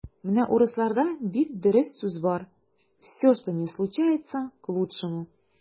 Менә урысларда бик дөрес сүз бар: "все, что ни случается - к лучшему".